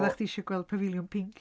Oeddach chdi isio gweld Pafiliwn Pinc.